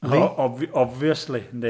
O, obv- obviously, yndi.